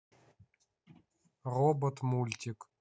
робот мультик